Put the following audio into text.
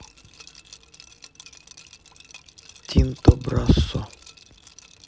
тинто брассо